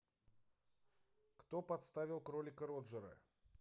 кто подставил кролика роджера